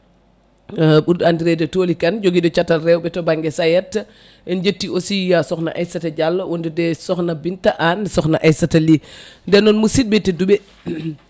ɓurɗo andirede Toly Kane joguiɗo caatal rewɓe to banggue SAED en jetti aussi sokhna Aissata Diallo wondude sokhna Binta anne sokhna Aissata Ly nden noon musibɓe tedduɓe